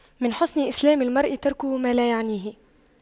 من حسن إسلام المرء تَرْكُهُ ما لا يعنيه